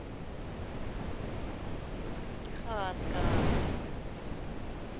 хаска